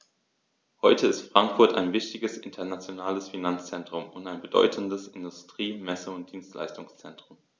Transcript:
Heute ist Frankfurt ein wichtiges, internationales Finanzzentrum und ein bedeutendes Industrie-, Messe- und Dienstleistungszentrum.